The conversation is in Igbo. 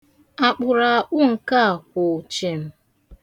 Akpụraakpụ nke a kwụ chịm.